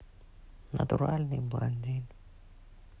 натуральный блондин